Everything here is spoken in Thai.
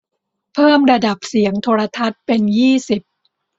เพิ่มระดับเสียงโทรทัศน์เป็นยี่สิบ